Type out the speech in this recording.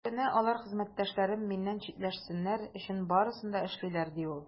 Өстәвенә, алар хезмәттәшләрем миннән читләшсеннәр өчен барысын да эшлиләр, - ди ул.